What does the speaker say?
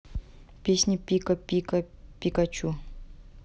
песня пика пика пикачу